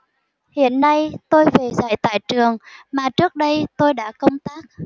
hiện nay tôi về dạy tại trường mà trước đây tôi đã công tác